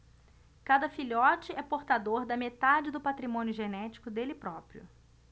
cada filhote é portador da metade do patrimônio genético dele próprio